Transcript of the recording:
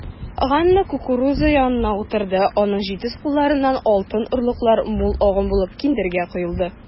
Ганна кукуруза янына утырды, аның җитез кулларыннан алтын орлыклар мул агым булып киндергә коелды.